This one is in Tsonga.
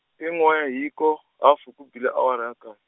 i n'we hiko, hafu ku bile awara ya nkaye.